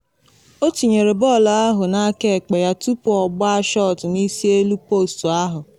O tinyere bọọlụ ahụ n’akaekpe ya tupu ọ gbaa shọt n’isi elu postu ahụ.